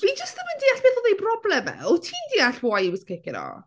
Dwi jyst ddim yn deall beth oedd ei broblem e. Wyt ti'n deall why he was kicking off?